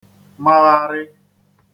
-magharī